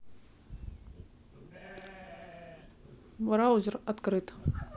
браузер открыть